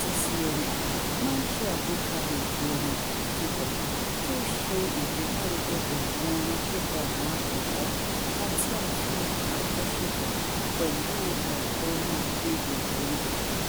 DCMA máa ń ṣe àgbékalẹ̀ ètò orin kíkọ tí ó ń ṣe ìgbélárugẹ ẹ̀bùn orin kíkọ àwọn akẹ́kọ̀ọ́ àti àfihàn àjọṣepọ̀ pẹ̀lú ọ̀kọrin àlejò hàn ní,